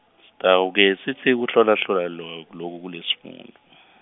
Sitawuke, sitsi kuhlolahlola lo- loku kulesifundvo.